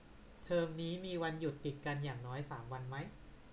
เทอมนี้มีวันหยุดติดกันอย่างน้อยสามวันไหม